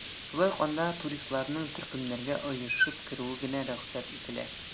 Шулай ук анда туристларның төркемнәргә оешып керүе генә рөхсәт ителә.